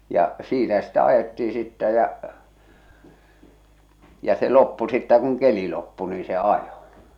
ja siinä sitä ajettiin sitten ja ja se loppui sitten kun keli loppui niin se ajo